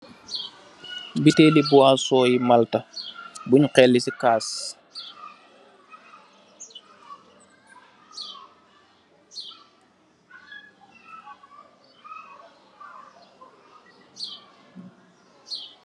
Bottèli buwasohi Malta bunj xeéli ci kas.